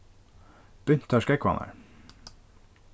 bint tær skógvarnar